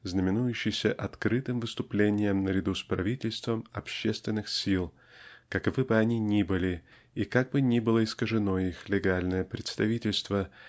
знаменующейся открытым выступлением наряду с правительством общественных сил (каковы бы они ни были и как бы ни было искажено их легальное представительство)